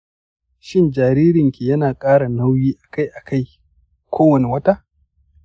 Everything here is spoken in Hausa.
shin jaririnki yana ƙara nauyi a kai a kai kowane wata?